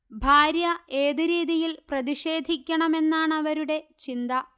ഭാര്യ ഏതു രീതിയിൽ പ്രതിഷേധിക്കണമെന്നാണവരുടെ ചിന്ത